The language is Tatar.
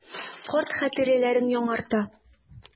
Карт хатирәләрен яңарта.